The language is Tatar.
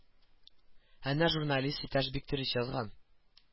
Әнә журналист иптәш бик дөрес язган